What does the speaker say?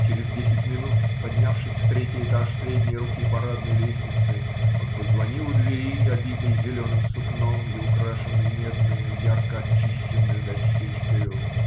Через десять минут, поднявшись в третий этаж средней руки парадной лестницы, он позвонил у двери, обитой зеленым сукном и украшенной медною, ярко отчищенною дощечкою.